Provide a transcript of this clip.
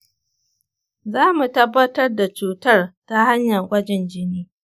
zamu tabbatar da cutar ta hanyar gwajin jini.